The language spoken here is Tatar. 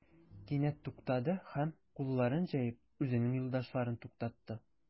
Кинәт туктады һәм, кулларын җәеп, үзенең юлдашларын туктатты.